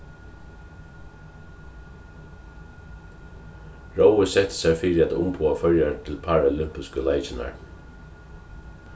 rói setti sær fyri at umboða føroyar til paralympisku leikirnar